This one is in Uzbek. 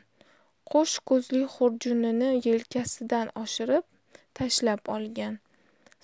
qo'sh ko'zli xurjunini yelkasidan oshirib tashlab olgan